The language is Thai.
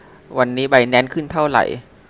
วันนี้ไบแนนซ์ขึ้นเท่าไหร่